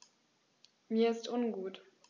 Mir ist ungut.